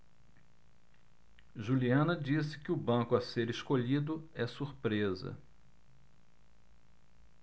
juliana disse que o banco a ser escolhido é surpresa